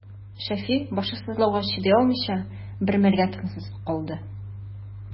Шәфи, башы сызлауга чыдый алмыйча, бер мәлгә тынсыз калды.